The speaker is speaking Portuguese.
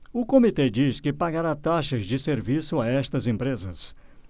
o comitê diz que pagará taxas de serviço a estas empresas